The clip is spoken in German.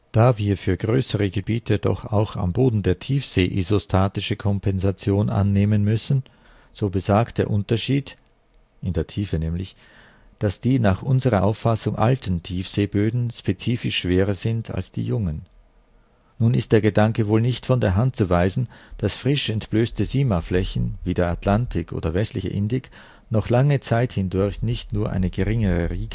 Da wir für größere Gebiete doch auch am Boden der Tiefsee isostatische Kompensation annehmen müssen, so besagt der Unterschied [in der Tiefe], daß die nach unserer Auffassung alten Tiefseeböden spezifisch schwerer sind als die jungen. Nun ist der Gedanke wohl nicht von der Hand zu weisen, daß frisch entblößte Simaflächen, wie der Atlantik oder westliche Indik, noch lange Zeit hindurch nicht nur eine geringere